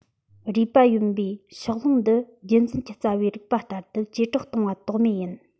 རུས པ ཡོན པའི ཕྱོགས ལྷུང འདི རྒྱུད འཛིན གྱི རྩ བའི རིགས པ ལྟར དུ ཇེ དྲག ཏུ གཏོང བ དོགས མེད ཡིན